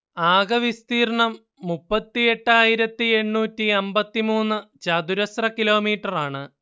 ആകെ വിസ്തീർണ്ണം മുപ്പത്തിയെട്ടായിരത്തിയെണ്ണൂറ്റിയമ്പത്തിമൂന്ന് ചതുരശ്ര കിലോമീറ്ററാണ്